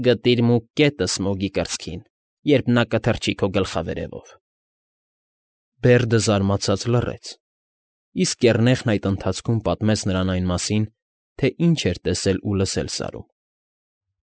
Գտիր մուգ կետը Սմոգի կրծքին, երբ նա կթռչի քո գլխավերևով… Բերդը զարմացած լռեց, իսկ կեռնեխն այդ ընթացքում պատմեց նրան այն մասին, թե ինչ էր տեսել ու լսել Սարում։